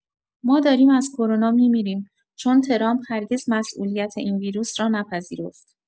ما داریم از کرونا می‌میریم، چون ترامپ هرگز مسئولیت این ویروس را نپذیرفت.